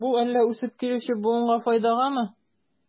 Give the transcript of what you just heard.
Бу әллә үсеп килүче буынга файдагамы?